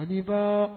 Baba